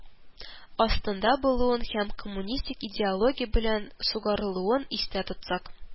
Астында булуын һәм коммунистик идеология белән сугарылуын истә тотсак,